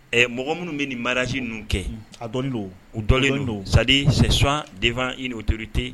Ɛ mɔgɔ minnu bɛ nin mariage ninnu kɛ a dɔnnen don U dɔnnen don c'est à dire, c'est sans devant une autorité